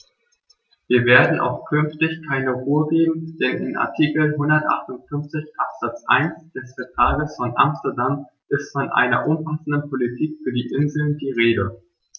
Wir werden auch künftig keine Ruhe geben, denn in Artikel 158 Absatz 1 des Vertrages von Amsterdam ist von einer umfassenden Politik für die Inseln die Rede.